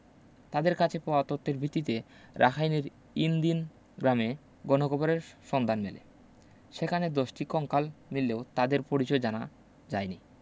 তাঁদের কাছে পাওয়া তথ্যের ভিত্তিতে রাখাইনের ইন দিন গ্রামে গণকবরের সন্ধান মেলে সেখানে ১০টি কঙ্কাল মিললেও তাদের পরিচয় জানা যায়নি